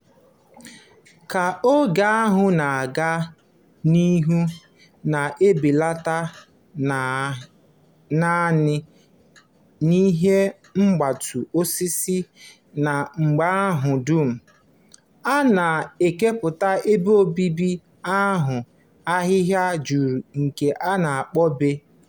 Ka oke ọhịa na-aga n'ihu na-ebelata na nha n'ihi mgbutu osisi na mba ahụ dum, a na-ekepụta ebe obibi ahụ ahịhịa juru nke ha na-akpọ bé.